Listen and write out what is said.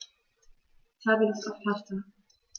Ich habe Lust auf Pasta.